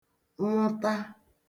nwụta